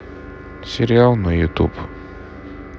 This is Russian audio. сериал на ютуб